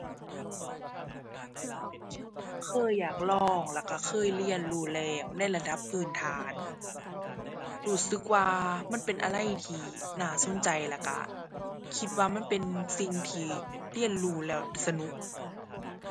เคยอยากลองแล้วก็เคยเรียนรู้แล้วในระดับพื้นฐาน รู้สึกว่ามันเป็นอะไรที่น่าสนใจแล้วก็คิดว่ามันเป็นสิ่งที่เรียนรู้แล้วสนุก